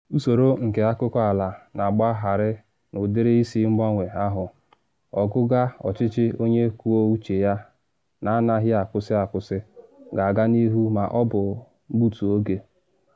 Usoro nke akụkọ ala na agbagharị n’ụdịrị isi mgbanwe ahụ, ọgụga ọchịchị onye kwuo uche ya na anaghị akwụsị akwụsị ga-aga n’ihu ma ọ bụ gbutu oge.